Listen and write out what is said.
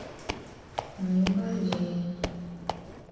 не болей